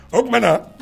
O tuma na